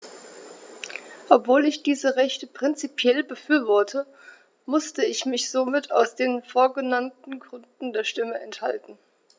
Obwohl ich diese Rechte prinzipiell befürworte, musste ich mich somit aus den vorgenannten Gründen der Stimme enthalten.